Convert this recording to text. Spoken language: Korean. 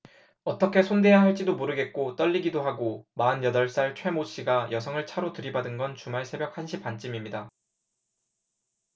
어떻게 손대야 할지도 모르겠고 떨리기도 하고 마흔 여덟 살 최 모 씨가 여성을 차로 들이받은 건 주말 새벽 한 시 반쯤입니다